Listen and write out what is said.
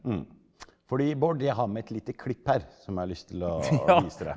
fordi Bård jeg har med et lite klipp her som jeg har lyst til å vise deg.